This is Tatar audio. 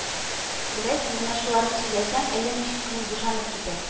Беләсең, менә шуларны сөйләсәң, әллә ничек күңел бушанып китә